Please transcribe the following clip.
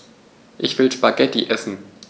Ich will Spaghetti essen.